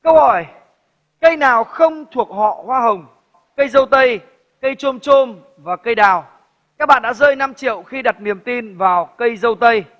câu hỏi cây nào không thuộc họ hoa hồng cây dâu tây cây chôm chôm và cây đào các bạn đã rơi năm triệu khi đặt niềm tin vào cây dâu tây